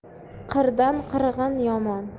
qirqdan qirg'in yomon